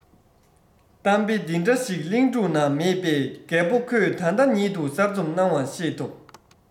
གཏམ དཔེ འདི འདྲ ཞིག གླིང སྒྲུང ན མེད པས རྒད པོ ཁོས ད ལྟ ཉིད དུ གསར རྩོམ གནང བ ཤེས ཐུབ